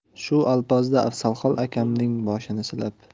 shu alpozda afzalxon akamning boshini silab